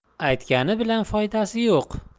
artgani bilan foydasi yo'q